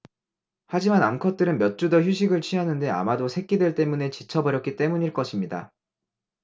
하지만 암컷들은 몇 주 더 휴식을 취하는데 아마도 새끼들 때문에 지쳐 버렸기 때문일 것입니다